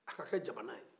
a ka kɛ jamana ye